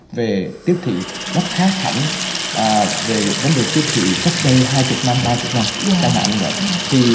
về tiếp thị nó khác hẳn à về vấn đề tiếp thị cách đây hai chục năm ba chục năm chẳng hạn như vậy thì